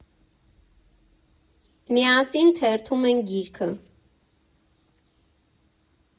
Միասին թերթում ենք գիրքը.